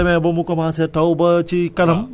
mais boo demee ba mu commencé taw ba ci